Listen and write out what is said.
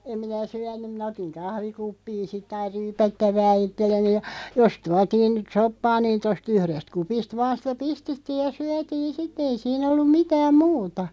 en minä syönyt minä otin kahvikuppiin sitten aina ryypättävää itselleni ja jos tuotiin nyt soppaa niin tuosta yhdestä kupista vain sitä pistettiin ja syötiin sitten ei siinä ollut mitään muuta